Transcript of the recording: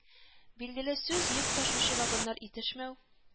Билгеле, сүз йөк ташучы вагоннар итешмәү